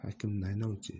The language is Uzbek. hakim naynov chi